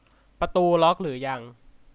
ประตูล็อคหรือยัง